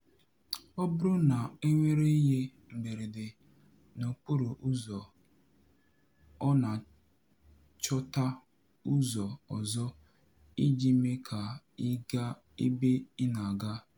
Ọ bụrụ na enwere ihe mberede n'okporo ụzọ ọ na-achọta ụzọ ọzọ iji mee ka ị gaa ebe ị na-aga.